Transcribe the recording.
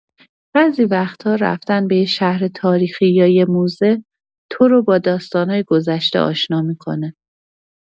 بعضی وقت‌ها رفتن به یه شهر تاریخی یا یه موزه، تو رو با داستان‌های گذشته آشنا می‌کنه.